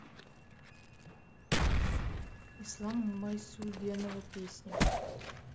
ислам майсульгенова песни